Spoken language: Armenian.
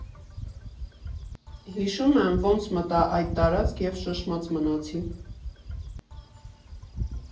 Հիշում եմ, ոնց մտա այդ տարածք և շշմած մնացի։